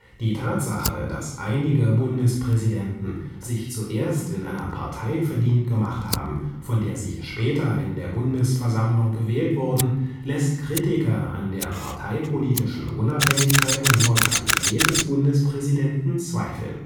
Die Tatsache, dass einige Bundespräsidenten sich zuerst in einer Partei verdient gemacht haben, von der sie später in der Bundesversammlung gewählt wurden, lässt Kritiker an der parteipolitischen Unabhängigkeit und Neutralität des Bundespräsidenten zweifeln